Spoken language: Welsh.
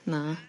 na. Na?